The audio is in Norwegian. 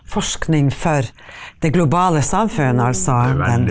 forskning for det globale samfunn altså.